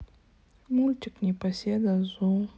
мультик непоседа зу